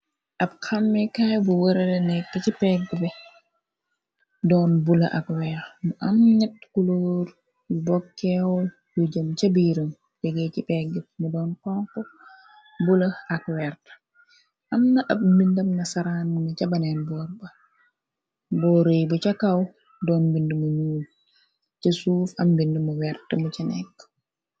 Ab xammikaay bu wërare nekk ci pegg bi doon bula ak weex mu am net kuloor bokkeew yu jëm ca biirum liggéey ci pegg mu doon pomp bula ak wert amna ab mbindam na saraanni jabaneen boorb boorey bu ca kaw doon mbind mu ñu ca suuf am mbind mu wert mu ca nekk.